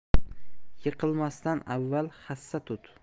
yiqilmasdan avval hassa tut